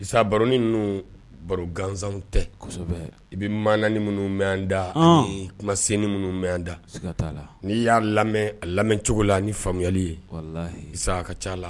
Issa baronin ninnuu baro gansanw tɛ kosɛbɛ i be maanani minnu mɛ an da ɔnn anii kumasenni minnu mɛ an da siga t'a la n'i y'a lamɛ a lamɛcogo la ni faamuyali ye walahi Issa a ka c'a la